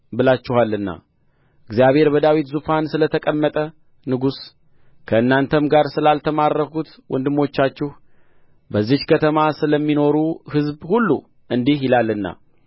ብላችኋልና እግዚአብሔር በዳዊት ዙፋን ስለ ተቀመጠ ንጉሥ ከእናንተም ጋር ስላልተማረኩት ወንድሞቻችሁ በዚህች ከተማ ስለሚኖሩ ሕዝብ ሁሉ እንዲህ ይላልና